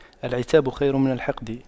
العتاب خير من الحقد